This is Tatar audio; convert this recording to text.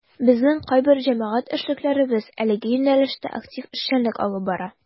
Безнең кайбер җәмәгать эшлеклеләребез әлеге юнәлештә актив эшчәнлек алып бара.